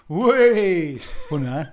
Weigh! Hwnna.